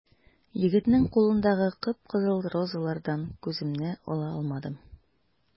Егетнең кулындагы кып-кызыл розалардан күземне ала алмадым.